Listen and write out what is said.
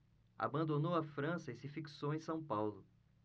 abandonou a frança e se fixou em são paulo